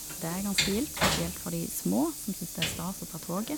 Det er ganske gildt, spesielt for de små, som syns det er stas å ta toget.